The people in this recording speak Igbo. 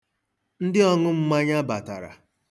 Ndị ọṅụmmanya abatara.